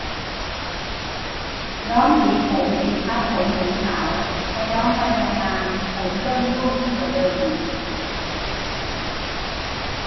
ย้อมสีผมปิดทับผมสีขาวพอย้อมไปนานนานผมเริ่มร่วงยิ่งกว่าเดิมอีก